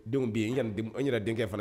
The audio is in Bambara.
Denw bɛ yen an yɛrɛ den fana